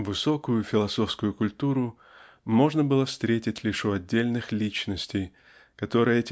Высокую философскую культуру можно было встретить лишь у отдельных личностей которые